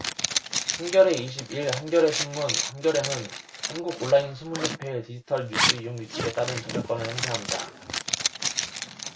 한겨레 이십 일 한겨레신문 한겨레는 한국온라인신문협회의 디지털뉴스이용규칙에 따른 저작권을 행사합니다